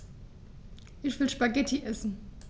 Ich will Spaghetti essen.